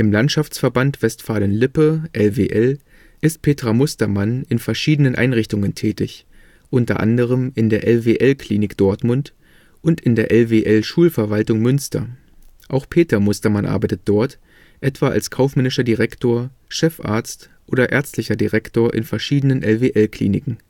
Landschaftsverband Westfalen-Lippe (LWL) ist Petra Mustermann in verschiedenen Einrichtungen tätig, u. a. in der LWL-Klinik Dortmund und in der LWL-Schulverwaltung Münster, auch Peter Mustermann arbeitet dort, etwa als Kaufmännischer Direktor, Chefarzt oder Ärztlicher Direktor in verschiedenen LWL-Kliniken